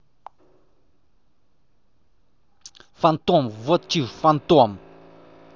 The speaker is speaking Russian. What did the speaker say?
fantom вот чиж фантом